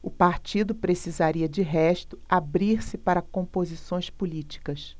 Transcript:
o partido precisaria de resto abrir-se para composições políticas